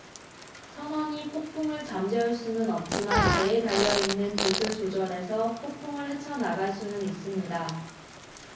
선원이 폭풍을 잠재울 수는 없지만 배에 달려 있는 돛을 조절해서 폭풍을 헤쳐 나갈 수는 있습니다